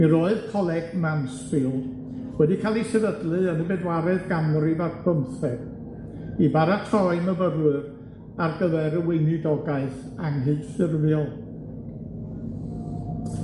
mi roedd Coleg Mansfield wedi ca'l 'i sefydlu yn y bedwaredd ganrif ar bymtheg i baratoi myfyrwyr ar gyfer y weinidogath anghydffurfiol.